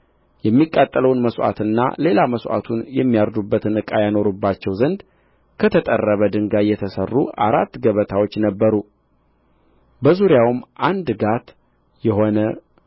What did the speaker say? የሚቃጠለውን መሥዋዕትና ሌላ መሥዋዕቱን የሚያርዱበትን ዕቃ ያኖሩባቸው ዘንድ ከተጠረበ ድንጋይ የተሠሩ አራት ገበታዎች ነበሩ በዙሪያውም አንድ ጋት የሆነ